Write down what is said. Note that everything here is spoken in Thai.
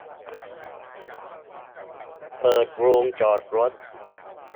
เปิดโรงจอดรถ